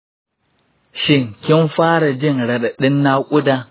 shin kin fara jin raɗaɗin naƙuda?